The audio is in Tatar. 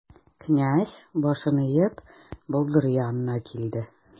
Князь, башын иеп, болдыр янына килде.